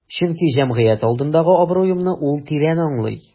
Чөнки җәмгыять алдындагы абруемны ул тирән аңлый.